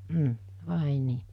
mm vai niin